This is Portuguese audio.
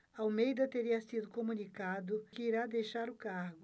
almeida teria sido comunicado que irá deixar o cargo